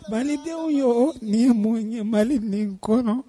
Malidenw ye nin ye mun ye mali nin kɔnɔ